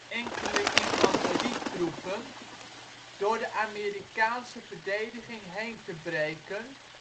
enkele infanterietroepen door de Amerikaanse verdediging heen te breken